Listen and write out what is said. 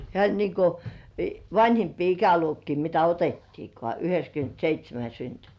hän oli niin kuin vanhimpia ikäluokkia mitä otettiinkaan yhdeksänkymmentäseitsemän syntynyt